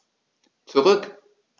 Zurück.